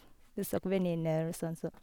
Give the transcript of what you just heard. Besøker venninner og sånn, så.